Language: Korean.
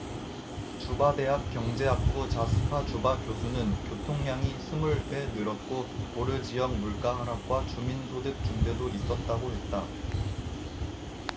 주바대학 경제학부 자스파 주바 교수는 교통량이 스물 배 늘었고 보르 지역 물가 하락과 주민 소득 증대도 있었다고 했다